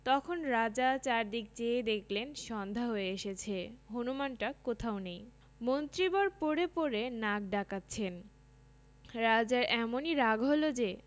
তখন রাজা চারদিক চেয়ে দেখলেন সন্ধ্যা হয়ে এসেছে হুনুমানটা কোথাও নেই মন্ত্রীবর পড়ে পড়ে নাক ডাকাচ্ছেন রাজার এমনি রাগ হল যে